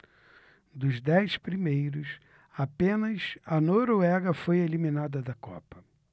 dos dez primeiros apenas a noruega foi eliminada da copa